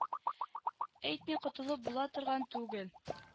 Әйтми котылып була торган түгел